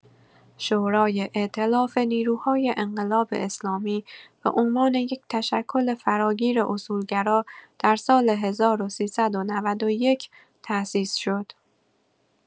شورای ائتلاف نیروهای انقلاب اسلامی به عنوان یک تشکل فراگیر اصولگرا در سال ۱۳۹۱ تأسیس شد.